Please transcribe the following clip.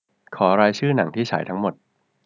ขอรายชื่อหนังที่ฉายทั้งหมด